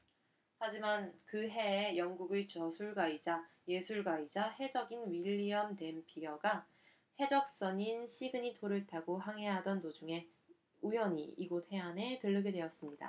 하지만 그 해에 영국의 저술가이자 예술가이자 해적인 윌리엄 댐피어가 해적선인 시그닛 호를 타고 항해하던 도중에 우연히 이곳 해안에 들르게 되었습니다